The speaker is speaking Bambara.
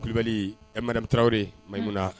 Kulubali madame Tarawele Mayimuna